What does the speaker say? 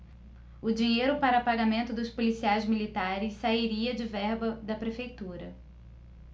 o dinheiro para pagamento dos policiais militares sairia de verba da prefeitura